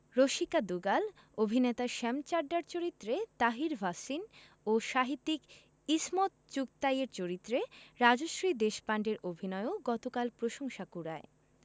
রসিকা দুগাল অভিনেতা শ্যাম চাড্ডার চরিত্রে তাহির ভাসিন ও সাহিত্যিক ইসমত চুগতাইয়ের চরিত্রে রাজশ্রী দেশপান্ডের অভিনয়ও গতকাল প্রশংসা কুড়ায়